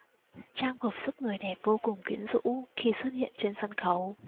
trang phục giúp người đẹp vô cùng quyến rũ khi xuất hiện trên sân khấu